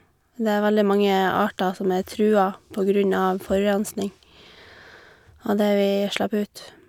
Det er veldig mange arter som er trua på grunn av forurensning og det vi slepp ut.